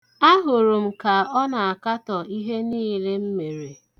Ahụrụ m ka ọ na-akatọ ihe niile m mere.